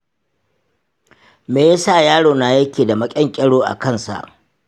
meyasa yarona yake da maƙyanƙyero a kansa?